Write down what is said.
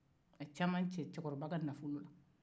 a ye caman cɛ cɛkɔrɔba ka nafolo la